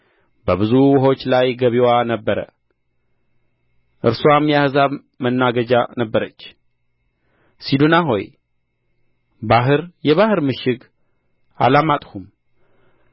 በብዙ ውኆች ላይ ገቢዋ ነበረ እርስዋም የአሕዛብ መናገጃ ነበረች ሲዶና ሆይ ባሕር የባሕር ምሽግ አላማጥሁም